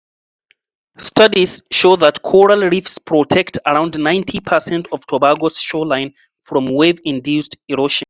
Studies show that coral reefs protect around 90 per cent of Tobago's shoreline from wave-induced erosion.